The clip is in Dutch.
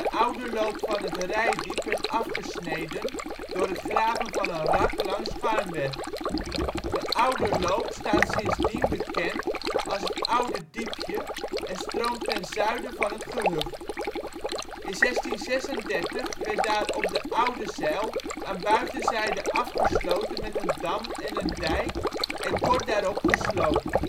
oude loop van het Reitdiep werd afgesneden door het graven van een rak langs Garnwerd. De oude loop staat sindsdien bekend als het Oude Diepje en stroomt ten zuiden van het gehucht. In 1636 werd daarop de oude zijl aan buitenzijde afgesloten met een dam en een dijk en kort daarop gesloopt